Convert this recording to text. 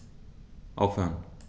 Aufhören.